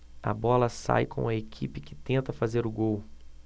a bola sai com a equipe que tenta fazer o gol